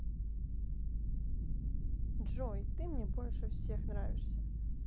джой ты мне больше всех нравишься